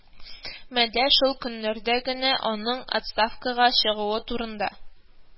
Мәдә, шул көннәрдә генә аның отставкага чыгуы турында